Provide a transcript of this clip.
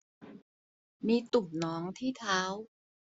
มีตุ่มหนองที่เท้า